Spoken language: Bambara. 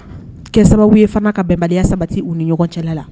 Kɛ sababu ye fana ka bɛnbaliya sabati u ni ɲɔgɔn cɛ la